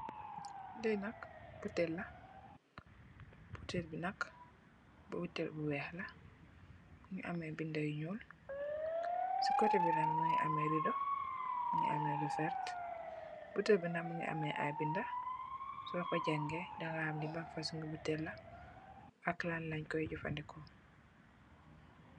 Li nak botale la botale bi nak botale bu weex la mongi ameh binda yu nuul si kote bi nak mongi ame rido mongi ame lu vert botale bi nak mongi ame ay binda soko jangeh daga xam li ban fosongi botale la ak lan len koi jefendeko.